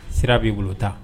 Sira b'i bolo tan